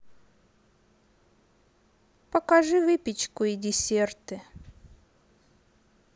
покажи выпечку и десерты